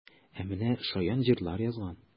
Ә менә шаян җырлар язган!